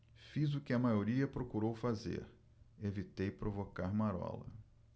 fiz o que a maioria procurou fazer evitei provocar marola